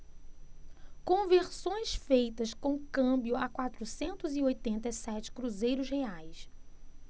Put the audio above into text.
conversões feitas com câmbio a quatrocentos e oitenta e sete cruzeiros reais